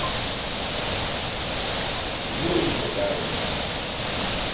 юрий гагарин